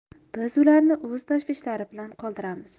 biz ularni o'z tashvishlari bilan qoldiramiz